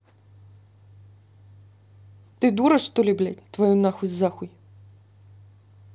ты дура что ли блядь твою нахуй захуй